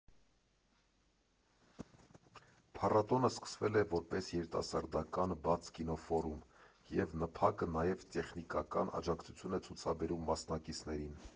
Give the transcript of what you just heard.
Փառատոնը սկսվել է որպես երիտասարդական բաց կինոֆորում, և ՆՓԱԿ֊ը նաև տեխնիկական աջակցություն է ցուցաբերում մասնակիցներին։